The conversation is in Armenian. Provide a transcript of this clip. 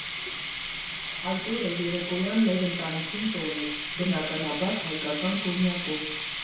Այդ օրը երեկոյան մեր ընտանիքում տոն էր, բնականաբար՝ հայկական կոնյակով։